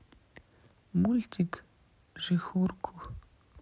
мультик жихурку